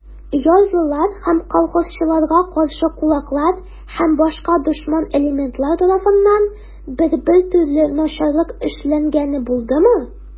Ярлылар һәм колхозчыларга каршы кулаклар һәм башка дошман элементлар тарафыннан бер-бер төрле начарлык эшләнгәне булдымы?